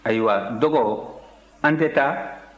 ayiwa dɔgɔ an tɛ taa